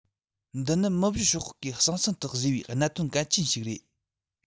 འདི ནི མི བཞི ཤོག ཁག གིས ཟང ཟིང དུ བཟོས པའི གནད དོན གལ ཆེན ཞིག རེད